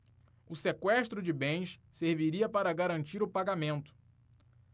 o sequestro de bens serviria para garantir o pagamento